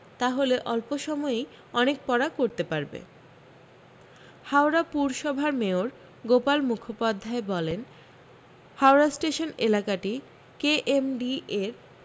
তাহলে অল্প সময়েই অনেক পড়া করতে পারবে হাওড়া পুরসভার মেয়র গোপাল মুখোপাধ্যায় বলেন হাওড়া স্টেশন এলাকাটি কেএমডি এর